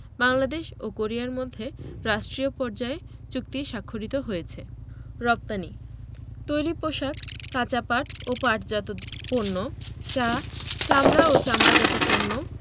বাংলাদেশ ও কোরিয়ার মধ্যে রাষ্ট্রীয় পর্যায়ে চুক্তি স্বাক্ষরিত হয়েছে রপ্তানিঃ তৈরি পোশাক কাঁচা পাট ও পাটজাত পণ্য চা চামড়া ও চামড়াজাত পণ্য